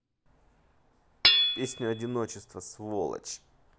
песню одиночество сволочь